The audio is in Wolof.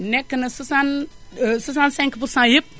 nekk na 60 65% yépp